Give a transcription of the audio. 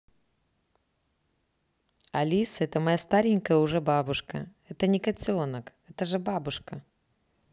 алиса это моя старенькая уже бабушка это не котенок это же бабушка